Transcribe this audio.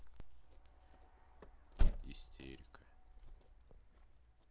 истерика